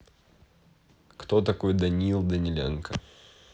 кто такой даниил даниленко